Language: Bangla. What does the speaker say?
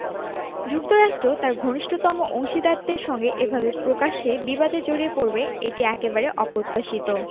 যুক্তরাষ্ট্র তার ঘনিষ্ঠতম অংশীদারদের সঙ্গে এভাবে প্রকাশ্যে বিবাদে জড়িয়ে পড়বে এটি একেবারে অপ্রত্যাশিত